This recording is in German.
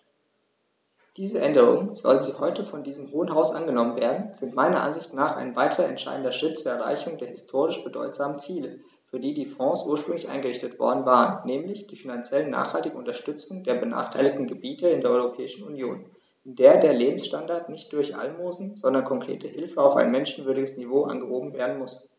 Diese Änderungen, sollten sie heute von diesem Hohen Haus angenommen werden, sind meiner Ansicht nach ein weiterer entscheidender Schritt zur Erreichung der historisch bedeutsamen Ziele, für die die Fonds ursprünglich eingerichtet worden waren, nämlich die finanziell nachhaltige Unterstützung der benachteiligten Gebiete in der Europäischen Union, in der der Lebensstandard nicht durch Almosen, sondern konkrete Hilfe auf ein menschenwürdiges Niveau angehoben werden muss.